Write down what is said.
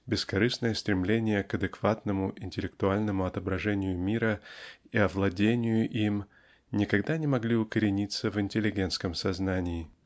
бескорыстное стремление к адекватному интеллектуальному отображению мира и овладению им никогда не могли укорениться в интеллигентском сознании.